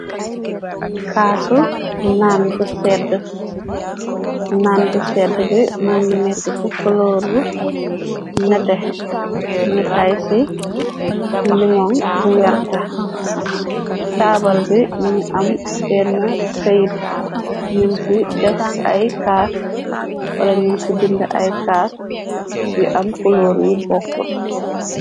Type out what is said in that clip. Kaasu naan bu sedd, naan bu sedd bi mingi nekk si kolor bu nete, yu tay si limon bu werta, taabal bi mingi am benne kayit, nyu si def ay kaas, wala nyun si binde ay kaas, yu am ay kulor yu bokut.